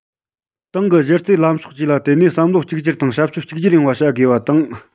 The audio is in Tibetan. ཏང གི གཞི རྩའི ལམ ཕྱོགས བཅས ལ བརྟེན ནས བསམ བློ གཅིག གྱུར དང བྱ སྤྱོད གཅིག གྱུར ཡོང བ བྱ དགོས པ དང